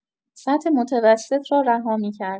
سطح متوسط را رها می‌کرد